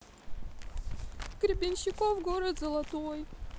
гребенщиков город золотой